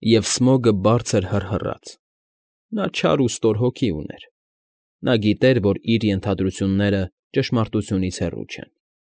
Եվ Սմոգը բարձր հռհռաց։ Նա չար ու ստոր հոգի ուներ. նա գիտեր, որ իր ենթադրությունները ճշմարտությունից հեռու չեն։